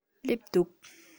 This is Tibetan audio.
སླེབས འདུག